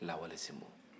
lawalesinbon